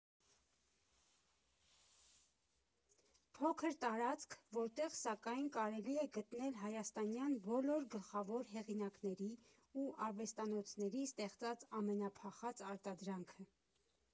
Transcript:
Փոքր տարածք, որտեղ, սակայն, կարելի է գտնել հայաստանյան բոլոր գլխավոր հեղինակների ու արվեստանոցների ստեղծած ամենափախած արտադրանքը։